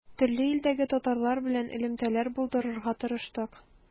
Төрле илдәге татарлар белән элемтәләр булдырырга тырыштык.